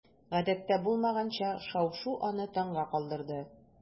Гадәттә булмаганча шау-шу аны таңга калдырды.